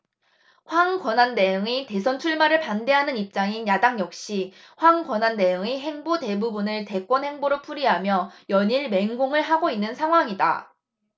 황 권한대행의 대선 출마를 반대하는 입장인 야당 역시 황 권한대행의 행보 대부분을 대권행보로 풀이하며 연일 맹공을 하고 있는 상황이다